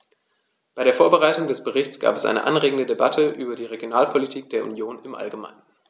Bei der Vorbereitung des Berichts gab es eine anregende Debatte über die Regionalpolitik der Union im allgemeinen.